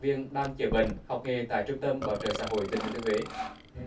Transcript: viên đang chữa bệnh học nghề tại trung tâm bảo trợ xã hội tỉnh thừa thiên huế